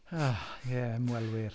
Ie, ymwelwyr.